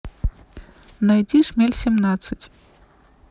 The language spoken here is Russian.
найди шмель семнадцать